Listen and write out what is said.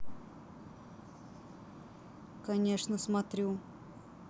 конечно смотрю